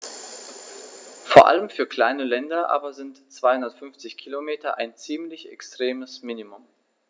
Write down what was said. Vor allem für kleine Länder aber sind 250 Kilometer ein ziemlich extremes Minimum.